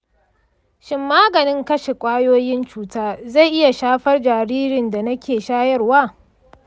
shin maganin kashe ƙwayoyin cuta zai iya shafar jaririn da nake shayarwa?